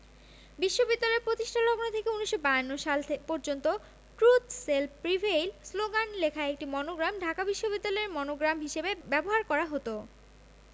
বিশ্ববিদ্যালয় প্রতিষ্ঠালগ্ন থেকে ১৯৫২ সাল পর্যন্ত ট্রুত শেল প্রিভেইল শ্লোগান লেখা একটি মনোগ্রাম ঢাকা বিশ্ববিদ্যালয়ের মনোগ্রাম হিসেবে ব্যবহার করা হতো